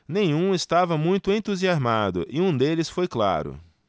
nenhum estava muito entusiasmado e um deles foi claro